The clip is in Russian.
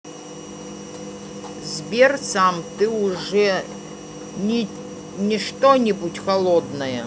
сбер сам ты уже не что нибудь холодное